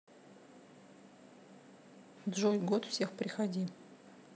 джой год всех приходи